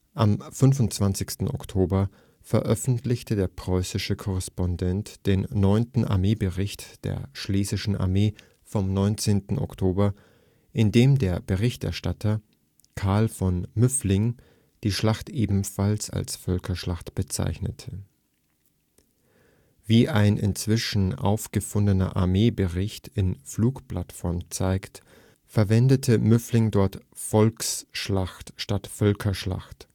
Am 25. Oktober veröffentlichte der Preußische Correspondent den Neunten Armeebericht der Schlesischen Armee vom 19. Oktober, in dem der Berichterstatter Karl von Müffling die Schlacht ebenfalls als „ Völkerschlacht “bezeichnete. Wie ein inzwischen aufgefundener Armee-Bericht in Flugblattform zeigt, verwendete Müffling dort „ Volksschlacht “statt „ Völkerschlacht